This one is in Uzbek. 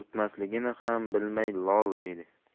o'tmasligini ham bilmay lol edi